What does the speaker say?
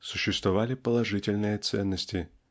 существовали положительные ценности